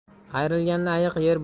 ayrilganni ayiq yer